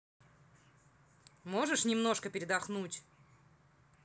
может немножко передохнуть